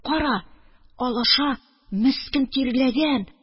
Кара, алаша, мескен, тирләгән